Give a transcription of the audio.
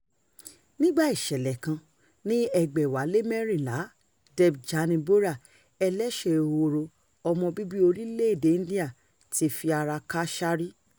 Nígbà ìṣẹ̀lẹ̀ kan ní 2014, Debjani Bora, ẹlẹ́sẹ̀ ehoro ọmọ bíbíi orílẹ̀-èdèe India ti fi ara kááṣá rí.